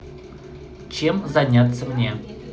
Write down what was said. чем заняться мне